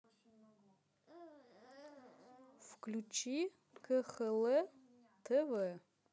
включи кхл тв